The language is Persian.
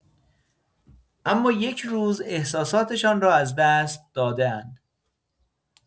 اما یک روز احساساتشان را از دست داده‌اند.